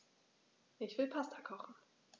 Ich will Pasta kochen.